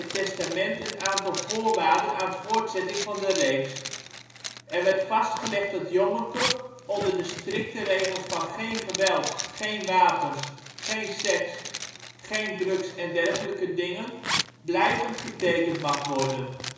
testament een aantal voorwaarden aan voortzetting van de reeks. Er werd vastgelegd dat Jommeke, onder de strikte regels van geen geweld, geen wapens, geen seks, geen drugs en dergelijke dingen, blijvend getekend mag worden